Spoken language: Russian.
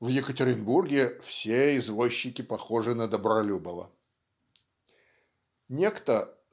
"В Екатеринбурге все извозчики похожи на Добролюбова" некто